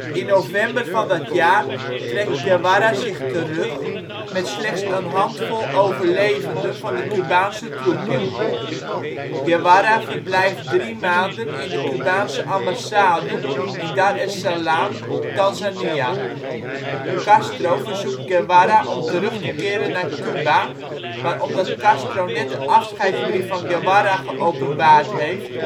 In november van dat jaar trekt Guevara zich terug met slechts een handvol overlevenden van de Cubaanse troepen. Guevara verblijft drie maanden in de Cubaanse ambassade in Dar es Salaam, Tanzania. Castro verzoekt Guevara om terug te keren naar Cuba, maar omdat Castro net de afscheidsbrief van Guevara geopenbaard heeft